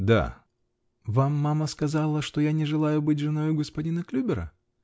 -- Да. -- Вам мама сказала, что я не желаю быть женою господина Клюбера ?